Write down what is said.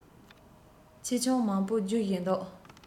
ཆེ ཆུང མང པོ རྒྱུ བཞིན འདུག